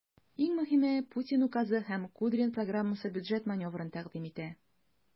Иң мөһиме, Путин указы һәм Кудрин программасы бюджет маневрын тәкъдим итә.